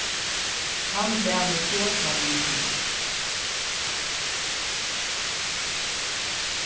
hann bað meg tosa við teg